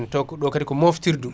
to ɗo kaadi ko mowtirdu